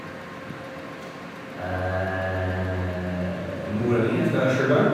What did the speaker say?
Mora mi er fra Stjørdal.